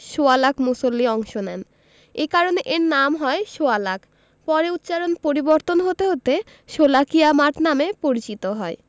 সোয়া লাখ মুসল্লি অংশ নেন এ কারণে এর নাম হয় সোয়া লাখ পরে উচ্চারণ পরিবর্তন হতে হতে শোলাকিয়া মাঠ নামে পরিচিত হয়